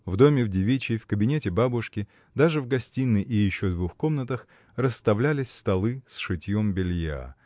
В доме, в девичьей, в кабинете бабушки, даже в гостиной и еще двух комнатах расставлялись столы с шитьем белья.